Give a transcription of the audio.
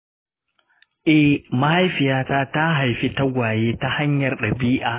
eh, mahaifiyata ta haifi tagwaye ta hanyar dabi’a.